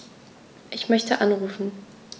Ich möchte anrufen.